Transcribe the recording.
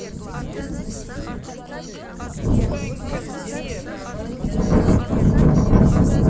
как сделать кровать для реборна